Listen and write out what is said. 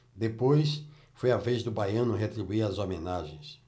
depois foi a vez do baiano retribuir as homenagens